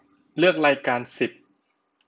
เลือกรายการสิบ